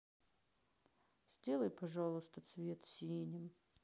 сделай пожалуйста цвет синим